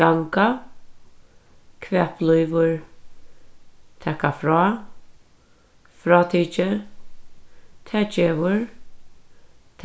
ganga hvat blívur taka frá frátikið tað gevur